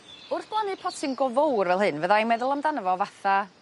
Wrth blannu potyn go fowr fel hyn fydda i'n meddwl amdano fo fatha